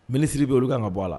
Misiri bɛ olu kan ka bɔ la